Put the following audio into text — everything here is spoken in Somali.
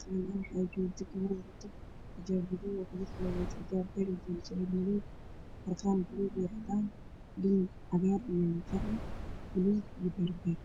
qolkaani waxaa joogta gabar xijaab gaduud watado iyo mid kaloo watada xijaab beeri ah iyo indho shareer madow harqaan baluug iyo cadaan dhul cagaar iyo qaxwi baluug iyo baluug beeri.